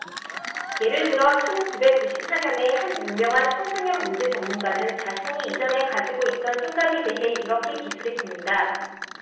예를 들어 천 구백 구십 사 년에 한 유명한 청소년 문제 전문가는 자신이 이전에 가지고 있던 생각에 대해 이렇게 기술했습니다